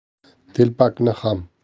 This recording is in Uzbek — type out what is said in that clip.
telpakni ham